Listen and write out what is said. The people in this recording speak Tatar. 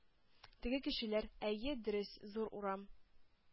Теге кешеләр: Әйе, дөрес, зур урам,